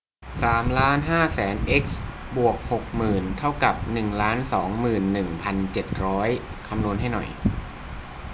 สามล้านห้าแสนเอ็กซ์บวกหกหมื่นเท่ากับหนึ่งล้านสองหมื่นหนึ่งพันเจ็ดร้อยคำนวณให้หน่อย